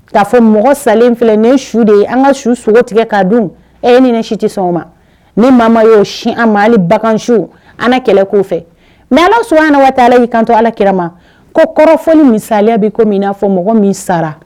Ka' fɔ mɔgɔ salen filɛ ni su de ye an ka su sogo tigɛ ka dun e e ni si tɛ sɔn ma ni maa y ye' sin a ma bagan su an kɛlɛ fɛ mɛ ala so an waati taa ala y'i kanto alaki kirama ko kɔrɔfɔsa bɛ min n'a fɔ mɔgɔ min sara